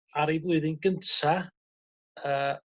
ar ei flwyddyn gynta yy